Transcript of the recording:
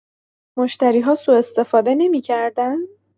مشتری‌ها سوءاستفاده نمی‌کردن؟